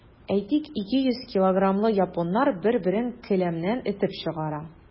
Әйтик, 200 килограммлы японнар бер-берен келәмнән этеп чыгара.